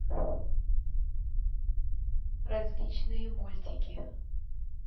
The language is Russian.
различные мультики